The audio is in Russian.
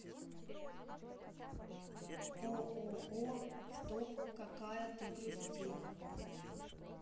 ооо в топ какая ты грусти